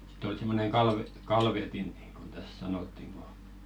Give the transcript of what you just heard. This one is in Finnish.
sitten oli semmoinen - kalvetin niin kuin tässä sanottiin kun